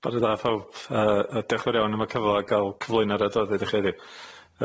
Yy bore da pawb yy yy diolch yn fawr iawn am y cyfle a ga'l cyflwyno'r adroddiad i chi heddiw.